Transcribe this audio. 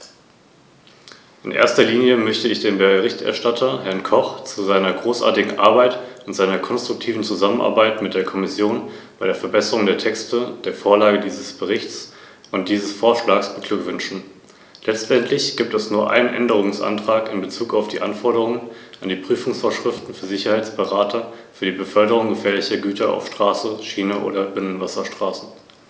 Frau Präsidentin, seit über 20 Jahren sprechen wir nun über die Schaffung eines einheitlichen Patentschutzes auf europäischer Ebene.